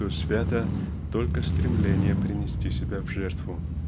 что свято только стремление принести себя в жертву.